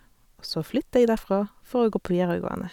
Og så flytta jeg derfra for å gå på videregående.